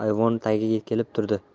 ayvon tagiga kelib turdi